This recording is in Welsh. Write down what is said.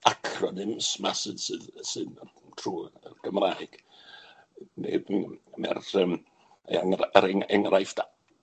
acronyms 'ma sy'n sy'n sy'n yy trw'r Gymraeg neu m- yym er ang- er eng- enghraifft a-